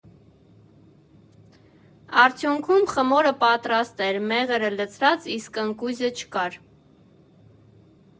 Արդյունքում խմորը պատրաստ էր, մեղրը՝ լցրած, իսկ ընկույզը չկար։